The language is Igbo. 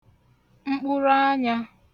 mkpụrụanyā